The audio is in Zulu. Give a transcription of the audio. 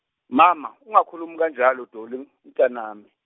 mama, ungakhulumi kanjalo Dolly mntanami.